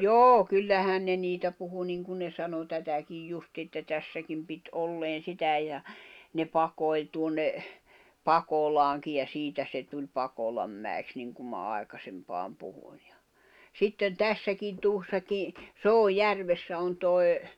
joo kyllähän ne niitä puhui niin kuin ne sanoi tätäkin justiin että tässäkin piti olleen sitä ja ne pakoili tuonne Pakolaankin ja siitä se tuli Pakolanmäeksi niin kuin minä aikaisempaan puhuin ja sitten tässäkin tuossakin Soojärvessä on tuo